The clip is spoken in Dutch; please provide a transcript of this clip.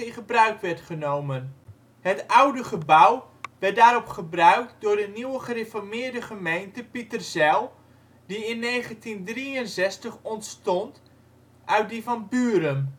gebruik werd genomen. Het oude gebouw werd daarop gebruikt door de nieuwe gereformeerde gemeente Pieterzijl, die in 1963 ontstond uit die van Burum